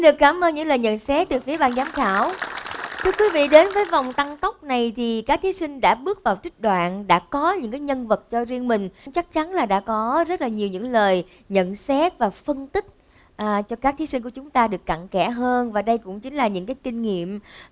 được cám ơn những lời nhận xét từ phía ban giám khảo thưa quý vị đến với vòng tăng tốc này thì các thí sinh đã bước vào trích đoạn đã có những cái nhân vật cho riêng mình chắc chắn là đã có rất là nhiều những lời nhận xét và phân tích à cho các thí sinh của chúng ta được cặn kẽ hơn và đây cũng chính là những cái kinh nghiệm